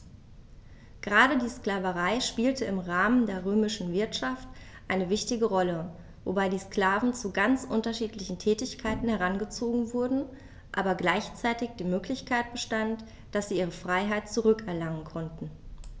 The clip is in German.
Gerade die Sklaverei spielte im Rahmen der römischen Wirtschaft eine wichtige Rolle, wobei die Sklaven zu ganz unterschiedlichen Tätigkeiten herangezogen wurden, aber gleichzeitig die Möglichkeit bestand, dass sie ihre Freiheit zurück erlangen konnten.